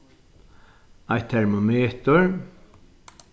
eitt termometur